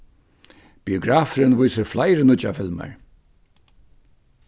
biografurin vísir fleiri nýggjar filmar